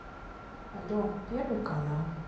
але первый канал